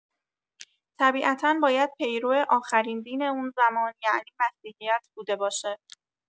طبیعتا باید پیرو آخرین دین اون زمان یعنی مسیحیت بوده باشه.